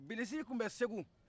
bilisi tun bɛ segu